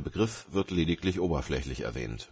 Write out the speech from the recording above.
Begriff wird lediglich oberflächlich erwähnt.